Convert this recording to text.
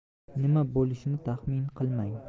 nima bo'lishini taxmin qilmang